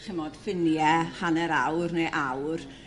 ch'mod ffinie hanner awr neu awr.